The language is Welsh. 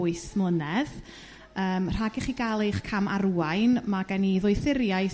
wyth mlynedd yrm rhag i chi ga'l eich camarwain ma' gen i ddoethuriaeth